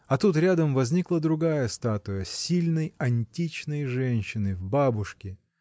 А тут рядом возникла другая статуя — сильной, античной женщины — в бабушке.